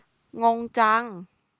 งงจัง